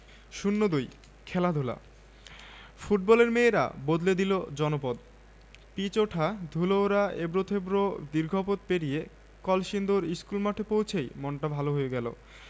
দূর খেলনার plane battery দেয়া আমি সেদিন আবুদের বাড়িতে দেখেছি খোকন মহা উৎসাহে প্লেনের বর্ণনা দেয় আবুর বাবা দুবাইতে আজ দুবছর হলো গেছে ঈদ করতে এসেছে কয়েকদিন হলো